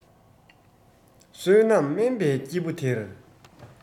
བསོད ནམས དམན པའི སྐྱེ བུ དེར